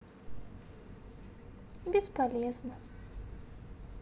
бесполезно